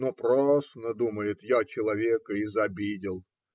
"Напрасно, - думает, - я человека изобидел